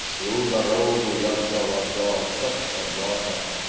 "Всю дорогу я голодал, как собака.